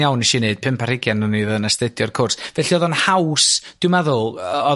iawn 'nes i neud pump ar hugain ohona ni o'dd yn astudio'r cwrs felly o'dd o'n haws dwi'n meddwl